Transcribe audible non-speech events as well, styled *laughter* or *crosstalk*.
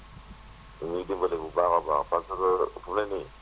*noise* ñu ngi ñuy dimbali bu baax a baax parce que fi mu ne nii